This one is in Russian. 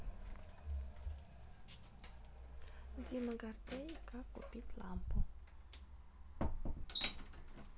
дима гордей как купить лампу